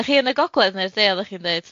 'Da chi yn y gogledd ne'r de oddach chi'n ddeud?